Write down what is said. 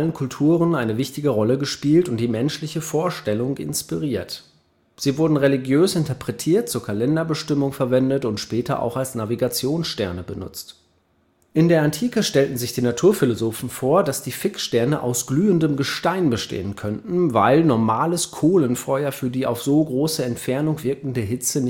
Kulturen eine wichtige Rolle gespielt und die menschliche Vorstellung inspiriert. Sie wurden religiös interpretiert und zur Kalenderbestimmung, später auch als Navigationssterne benutzt. In der Antike stellten sich die Naturphilosophen vor, dass die Fixsterne aus glühendem Gestein bestehen könnten, weil normales Kohlenfeuer für die auf so große Entfernung wirkende Hitze